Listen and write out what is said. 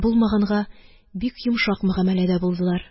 Булмаганга, бик йомшак мөгамәләдә булдылар.